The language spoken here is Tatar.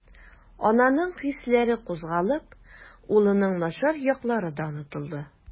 Ананың хисләре кузгалып, улының начар яклары да онытылды.